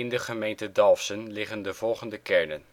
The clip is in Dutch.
de gemeente Dalfsen liggen de volgende kernen